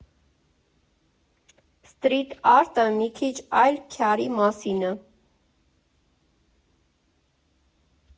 Սթրիտ֊արտը մի քիչ այլ քյարի մասին ա։